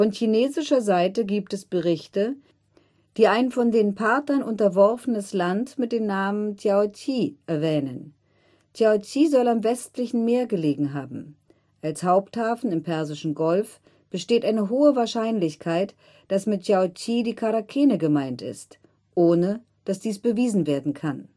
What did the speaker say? chinesischer Seite gibt es Berichte, die ein von den Parthern unterworfenes Land mit dem Namen Tiaozhi (chinesisch 條枝, 條支, Pinyin Tiáozhī) erwähnen. Tiaozhi soll am westlichen Meer gelegen haben. Als Haupthafen im Persischen Gold besteht eine hohe Wahrscheinlichkeit, dass mit Tiaozhi die Charakene gemeint ist, ohne dass dies bewiesen werden kann